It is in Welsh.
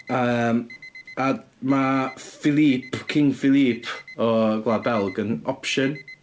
Yym, a ma' Philippe, King Philippe o Gwlad Belg yn option.